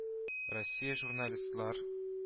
Россия журналистлар